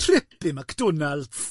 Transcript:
Trip i Macdonalds.